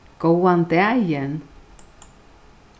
góðan dagin